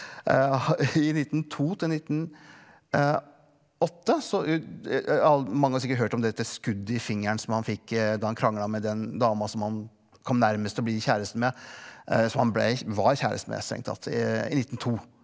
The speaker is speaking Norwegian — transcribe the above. ha i 1902 til 1908 så all mange har sikkert hørt om dette skuddet i fingeren som han fikk da han krangla med den dama som han kom nærmest til å bli kjæreste med som han blei var kjæreste med strengt tatt i nittento.